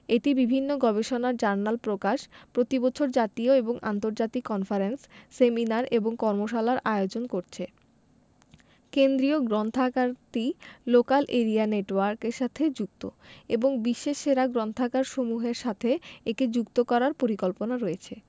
এটি বিভিন্ন গবেষণা জার্নাল প্রকাশ প্রতি বছর জাতীয় এবং আন্তর্জাতিক কনফারেন্স সেমিনার এবং কর্মশালার আয়োজন করছে কেন্দ্রীয় গ্রন্থাগারটি লোকাল এরিয়া নেটওয়ার্ক এলএএন এর সাথে যুক্ত এবং বিশ্বের সেরা গ্রন্থাগারসমূহের সাথে একে যুক্ত করার পরিকল্পনা রয়েছে